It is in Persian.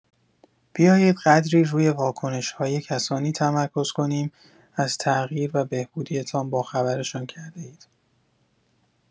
بیایید قدری روی واکنش‌های کسانی تمرکز کنیم از تغییر و بهبودی‌تان باخبرشان کرده‌اید.